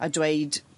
a dweud